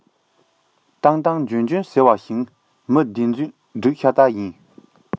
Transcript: བཏང བཏང འཇོན འཇོན ཟེར བ བྱིངས མི བདེན རྫུན སྒྲིག ཤ སྟག ཡིན